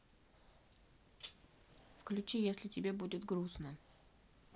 включи если тебе будет грустно